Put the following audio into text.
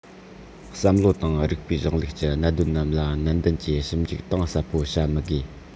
བསམ བློ དང རིགས པའི གཞུང ལུགས ཀྱི གནད དོན རྣམས ལ ནན ཏན གྱིས ཞིབ འཇུག གཏིང ཟབ པོ བྱ མི དགོས